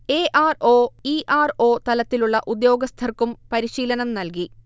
A. R. O., E. R. O. തലത്തിലുള്ള ഉദ്യോഗസ്ഥർക്കും പരിശീലനം നൽകി